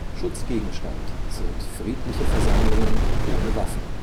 Schutzgegenstand sind friedliche Versammlungen ohne Waffen